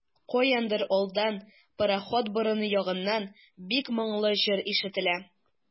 Каяндыр алдан, пароход борыны ягыннан, бик моңлы җыр ишетелә.